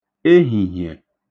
ehìhìẹ̀